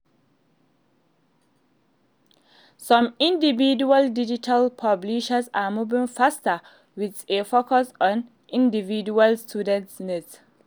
Some independent, digital publishers are moving faster and with a focus on individual student needs.